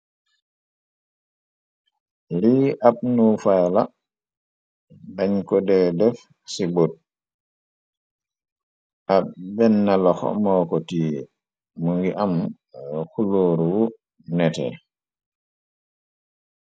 Lii ab nuufala dañ ko dee def ci bot ab bennalaxo mookoti mu ngi am xulooruwu netee.